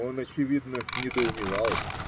Он, очевидно, недоумевал